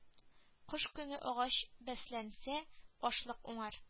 Кыш көне агач бәсләнсә ашлык уңар